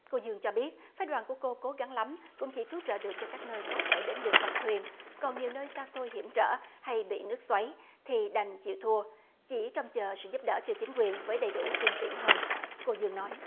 cô dương cho biết phái đoàn của cô cố gắng lắm cũng chỉ cứu trợ được cho các nơi có thể đến được bằng thuyền còn nhiều nơi xa xôi hiểm trở hay bị nước xoáy thì đành chịu thua chỉ trông chờ sự giúp đỡ cho chính quyền với đầy đủ phương tiện hơn cô dương nói